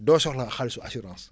doo soxla xaalisu assurance